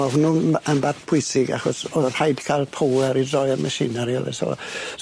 ma' hwnnw'n m- yn bart pwysig achos o'dd y' rhaid ca'l power i droi yr machinery so ma'